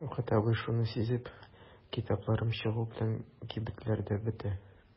Шәүкәт абый шуны сизеп: "Китапларым чыгу белән кибетләрдә бетә".